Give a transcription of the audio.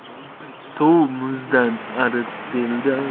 suv muzdan ariq seldan